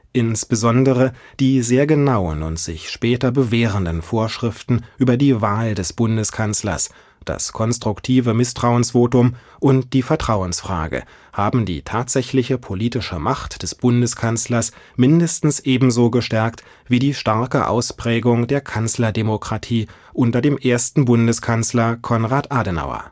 Insbesondere die sehr genauen und sich später bewährenden Vorschriften über die Wahl des Bundeskanzlers, das konstruktive Misstrauensvotum und die Vertrauensfrage haben die tatsächliche politische Macht des Bundeskanzlers mindestens ebenso gestärkt wie die starke Ausprägung der Kanzlerdemokratie unter dem ersten Bundeskanzler, Konrad Adenauer